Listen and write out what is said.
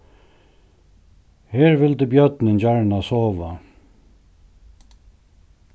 her vildi bjørnin gjarna sova